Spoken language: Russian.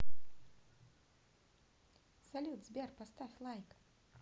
салют сбер поставь лайк